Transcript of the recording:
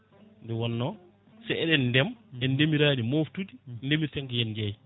nde wonno se eɗen ndeema en ndeemirani moftude ndeemirten ko yen jeey